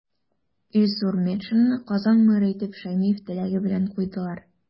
Илсур Метшинны Казан мэры итеп Шәймиев теләге белән куйдылар.